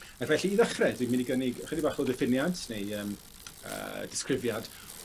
A felly i ddechre dwi myn' i gynnig ychydig bach o ddiffiniad neu yym yy disgrifiad